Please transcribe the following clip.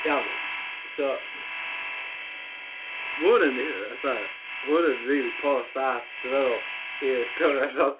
Iawn so ma' wnna'n yy fatha ma' hwnna'n rili poor start, dwi feddwl, i'r cyfres o...